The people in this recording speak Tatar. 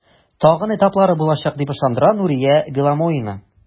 Тагын этаплары булачак, дип ышандыра Нурия Беломоина.